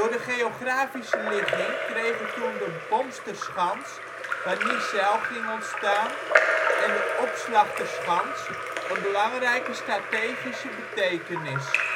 de geografische ligging kregen toen de Bomsterschans (waar Niezijl ging ontstaan) en de Opslachterschans een belangrijke strategische betekenis